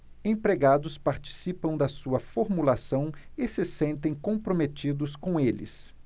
empregados participam da sua formulação e se sentem comprometidos com eles